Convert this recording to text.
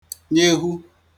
nyehū